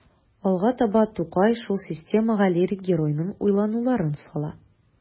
Алга таба Тукай шул системага лирик геройның уйлануларын сала.